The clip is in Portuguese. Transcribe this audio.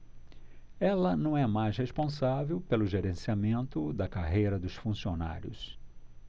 ela não é mais responsável pelo gerenciamento da carreira dos funcionários